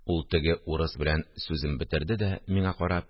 Ул теге урыс белән сүзен бетерде дә, миңа карап